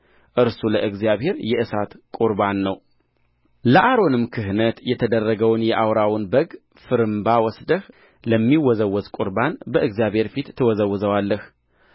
እርሱ ለእግዚአብሔር የእሳት ቍርባን ነው ለአሮንም ክህነት የታረደውን በግ ፍርምባ ወስደህ ለሚወዘወዝ ቍርባን በእግዚአብሔር ፊት ትወዘውዘዋለህ